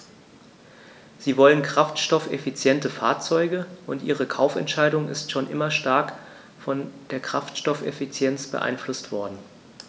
Sie wollen kraftstoffeffiziente Fahrzeuge, und ihre Kaufentscheidung ist schon immer stark von der Kraftstoffeffizienz beeinflusst worden.